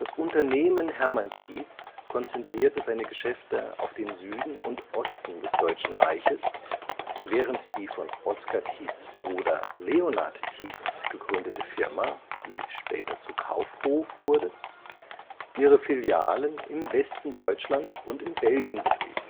Unternehmen Hermann Tietz konzentrierte seine Geschäfte auf den Süden und Osten des Deutschen Reiches, während die von Oscar Tietz ' Bruder Leonhard Tietz gegründete Firma (später Kaufhof) ihre Filialen im Westen Deutschlands und in Belgien betrieb